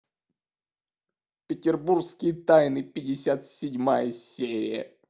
петербургские тайны пятьдесят седьмая серия